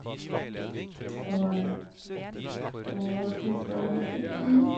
Og da skal jeg skrive masteroppgaven min.